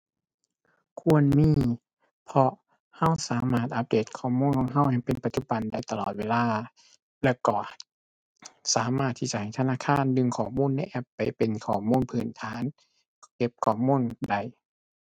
ควรมี เพราะเราสามารถอัปเดตข้อมูลของเราให้เป็นปัจจุบันได้ตลอดเวลา แล้วก็สามารถที่จะให้ธนาคารดึงข้อมูลในแอปไปเป็นข้อมูลพื้นฐาน เก็บข้อมูลได้